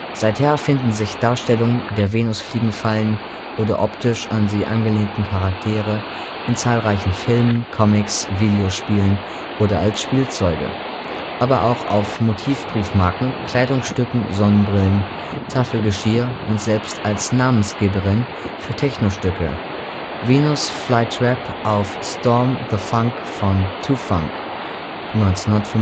Seither finden sich Darstellungen der Venusfliegenfallen oder optisch an sie angelehnter Charaktere in zahlreichen Filmen, Comics, Videospielen oder als Spielzeuge, aber auch auf Motivbriefmarken, Kleidungsstücken, Sonnenbrillen, Tafelgeschirr und selbst als Namensgeberin für Technostücke (Venus Fly Trap auf Storm The Funk von Too Funk, 1995